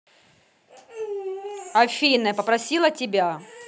афина я попросила тебя